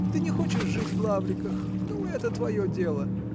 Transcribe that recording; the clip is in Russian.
Ты не хочешь жить в Лавриках -- ну, это твое дело